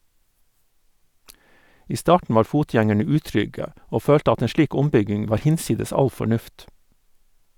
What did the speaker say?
I starten var fotgjengerne utrygge og følte at en slik ombygging var hinsides all fornuft.